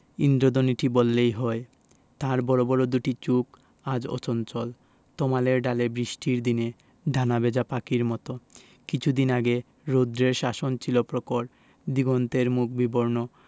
ঈন্দ্রধনুটি বললেই হয় তার বড় বড় দুটি চোখ আজ অচঞ্চল তমালের ডালে বৃষ্টির দিনে ডানা ভেজা পাখির মত কিছুদিন আগে রৌদ্রের শাসন ছিল প্রখর দিগন্তের মুখ বিবর্ণ